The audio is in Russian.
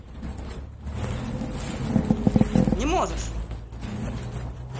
не можешь